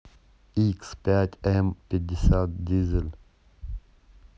икс пять м пятьдесят дизель